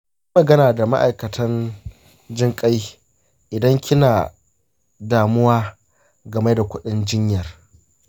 kiyi magana da ma'aikatan jinkai idan kina damuwa game da kudin jinyar.